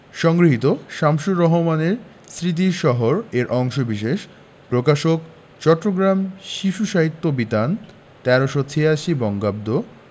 সংগৃহীত শামসুর রাহমানের স্মৃতির শহর এর অংশবিশেষ প্রকাশকঃ চট্টগ্রাম শিশু সাহিত্য বিতান ১৩৮৬ বঙ্গাব্দ